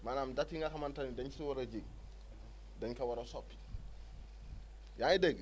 maanaam date yi nga xamante ne dañ si war a ji dañ ko war a soppi yaa ngi dégg